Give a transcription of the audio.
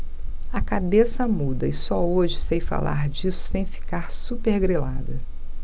a cabeça muda e só hoje sei falar disso sem ficar supergrilada